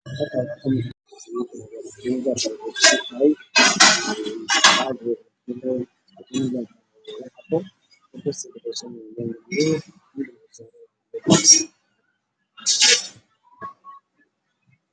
Waa meel uu suran yahay dahab darbiga midab kiisu waa madow